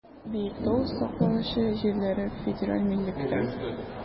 Биектау саклагычы җирләре федераль милектә.